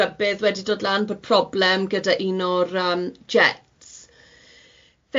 rybydd wedi dod lan bod problem gyda un o'r yym jets.